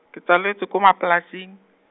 ke tsaletswe ko Maplasing.